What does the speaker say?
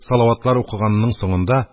Салаватлар укыганның соңында: